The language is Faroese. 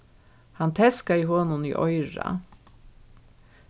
hann teskaði honum í oyrað